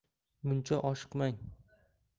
muncha oshiqmang